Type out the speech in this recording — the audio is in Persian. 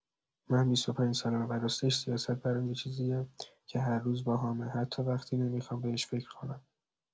من ۲۵ سالمه و راستش سیاست برام یه چیزیه که هر روز باهامه، حتی وقتی نمی‌خوام بهش فکر کنم.